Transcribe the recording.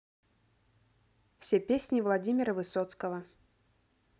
все песни владимира высоцкого